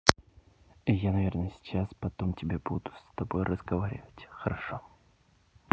я наверное сейчас потом тебе буду с тобой разговаривать хорошо